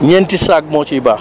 ñeenti saak moo ciy baax